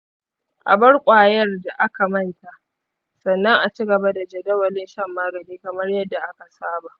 a bar ƙwayar da aka manta, sannan a ci gaba da jadawalin shan magani kamar yadda aka saba.